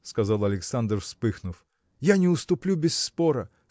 – сказал Александр, вспыхнув, – я не уступлю без спора.